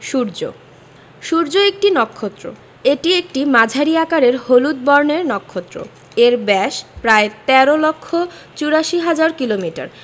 সূর্য সূর্য একটি নক্ষত্র এটি একটি মাঝারি আকারের হলুদ বর্ণের নক্ষত্র এর ব্যাস প্রায় ১৩ লক্ষ ৮৪ হাজার কিলোমিটার